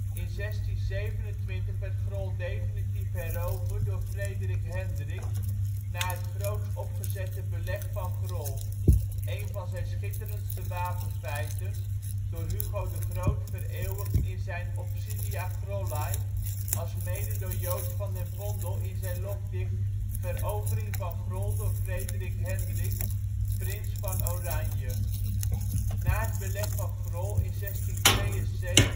In 1627 werd Grol definitief heroverd door Frederik Hendrik na het groots opgezette Beleg van Grol, één van zijn schitterendste wapenfeiten, door Hugo de Groot vereeuwigd in zijn Obsidia Grollae, alsmede door Joost van den Vondel in zijn lofdicht " Verovering van Grol door Frederick Henrick, Prince van Oranje ". Na het Beleg van Grol in 1672